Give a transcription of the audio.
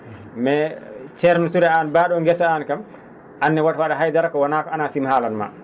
mais ceerno Touré aan mbaa?o ngesa aan kam aan ne wata wa? haydara so wonaa ko ANACIM haalan maa